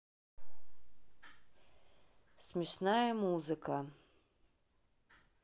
смешная музыка